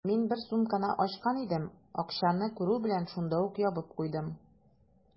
Мин бер сумканы ачкан идем, акчаны күрү белән, шунда ук ябып куйдым.